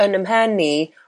yn 'y mhen ni